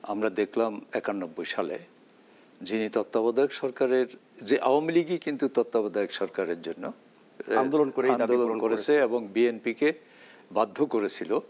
আমরা দেখলাম একানব্বই সালে যে তত্ত্বাবধায়ক সরকারের যে আওয়ামী লীগ ই কিন্তু তত্ত্বাবধায়ক সরকারের জন্য আন্দোলন করেছে এবং বিএনপিকে বাধ্য করেছিল